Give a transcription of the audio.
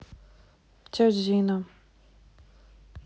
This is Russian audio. теть зина